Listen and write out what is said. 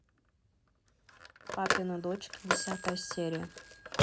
папины дочки десятая серия